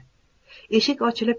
eshik ochilib